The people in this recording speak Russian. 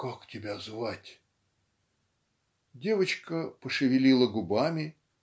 "Как тебя звать?" Девочка пошевелила губами